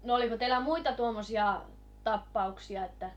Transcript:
no oliko teillä muuta tuommoisia tapauksia että